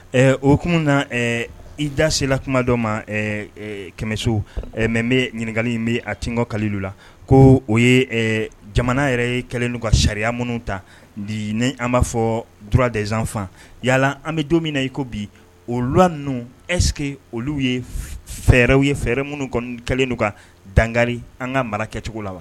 Ok na i dasela kuma dɔ ma kɛmɛso bɛ ɲininkakali in bɛ a tɔn kalilu la ko o ye jamana yɛrɛ ye kɛlen ka sariya minnu ta ni an b'a fɔ dudzfan yala an bɛ don min na i ko bi olu la ninnu ɛsseke olu ye fɛɛrɛw ye fɛɛrɛ minnu kɛlenw ka danga an ka mara kɛcogo la wa